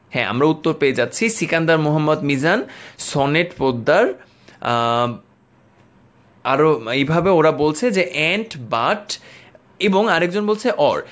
হ্যাঁ আমরা উত্তর পেয়ে যাচ্ছি সিকান্দার মোহাম্মদ মিজান সনেট পোদ্দার আরো এইভাবে আরও এইভাবে ওরা বলছে যে এন্ড বাট এবং আরেকজন বলছে অর